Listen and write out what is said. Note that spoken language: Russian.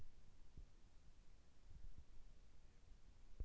a сбера